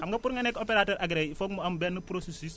xam nga pour nga nekk opérateur agréé il faut que mu am benn pocéssus